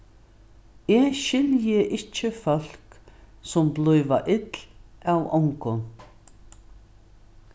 eg skilji ikki fólk sum blíva ill av ongum